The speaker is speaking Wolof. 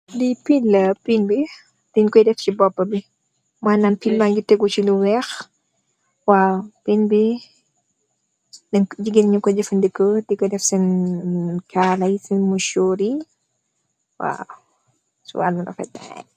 Lii pin la, pin bi degg koy def si bopu bi, manam pin bagi tege si lo weex, waw pin bi jigeen nya ko jafandiko di ko daf sen kalayi, sen musoor yi waw, si walu refetaay